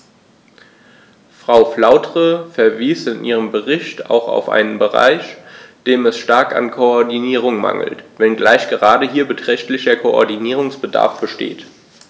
Frau Flautre verwies in ihrem Bericht auch auf einen Bereich, dem es stark an Koordinierung mangelt, wenngleich gerade hier beträchtlicher Koordinierungsbedarf besteht.